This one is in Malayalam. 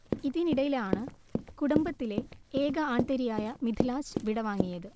ഇതിനിടയിലാണ് കുടുംബത്തിലെ ഏക ആൺതരിയായ മിദ്ലാജ് വിടവാങ്ങിയത്